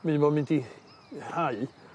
...ma' un o nw'm mynd i hau